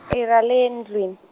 e ra le ndlwini.